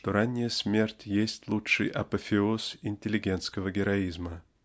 что ранняя смерть есть Лучший апофеоз интеллигентского героизма.